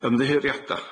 Ymddiheuriada.